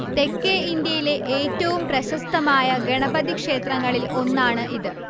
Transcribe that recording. തെക്കേ ഇന്ത്യയിലെ ഏറ്റവും പ്രശസ്തമായ ഗണപതി ക്ഷേത്രങ്ങളിൽ ഒന്നാണ് ഇത്